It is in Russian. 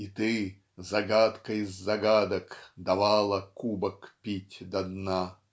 И ты -- загадка из загадок -- Давала кубок пить до дна.